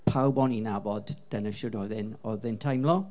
Pawb o'n i'n nabod, dyna shwt oedd e'n oedd e'n teimlo.